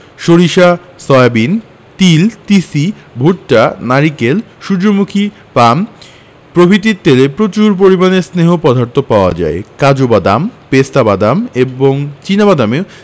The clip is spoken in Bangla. সরিষা সয়াবিন তিল তিসি ভুট্টা নারকেল সুর্যমুখী পাম প্রভৃতির তেলে প্রচুর পরিমাণে স্নেহ পদার্থ পাওয়া যায় কাজু বাদাম পেস্তা বাদাম এবং চিনা বাদামও